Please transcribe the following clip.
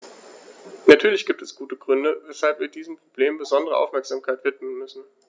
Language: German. Natürlich gibt es gute Gründe, weshalb wir diesem Problem besondere Aufmerksamkeit widmen müssen.